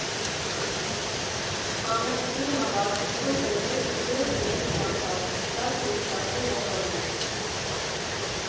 Ամեն ֆիլմը վարձույթում կլինի ուղիղ մեկ շաբաթ՝ սկսած հինշաբթի օրվանից։